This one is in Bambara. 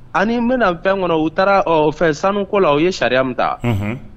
Ani n bɛna na fɛn kɔnɔ u taara fɛn sanuko la u ye sariya ta